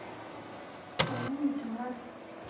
стала умница марат